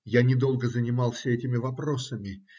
Я недолго занимался этими вопросами.